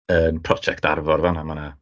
Yn project Arfor fan'na ma' 'na...